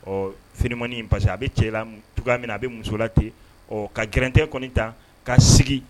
Ɔ finimani pa a bɛ cɛ cogoya min a bɛ musola ten ɔ ka gte kɔni ta ka sigi